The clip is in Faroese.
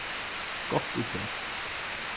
gott í teg